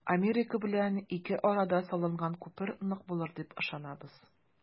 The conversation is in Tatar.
Америка белән ике арада салынган күпер нык булыр дип ышанабыз.